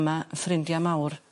...yma y' ffrindia mawr